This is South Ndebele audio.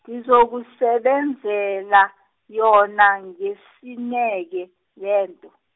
ngizokusebenzela, yona, ngesineke lento.